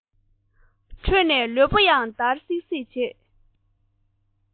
ཁྲོས ནས ལུས པོ ཡང འདར སིག སིག བྱེད